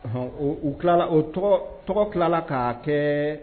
Ɔhɔn, u tɔgɔ tilala k'a kɛ